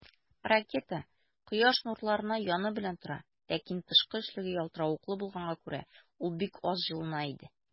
Ракета Кояш нурларына яны белән тора, ләкин тышкы өслеге ялтыравыклы булганга күрә, ул бик аз җылына иде.